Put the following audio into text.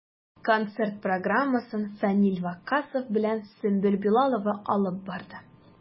Концерт программасын Фәнил Ваккасов белән Сөмбел Билалова алып барды.